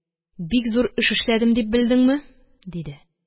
Бик зур эш эшләдем дип белдеңме? – диде.